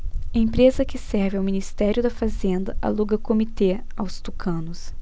empresa que serve ao ministério da fazenda aluga comitê aos tucanos